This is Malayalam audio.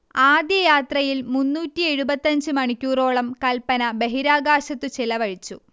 ആദ്യയാത്രയിൽ മുന്നൂറ്റിയെഴുപത്തഞ്ച് മണിക്കൂറുകളോളം കൽപന ബഹിരാകാശത്തു ചിലവഴിച്ചു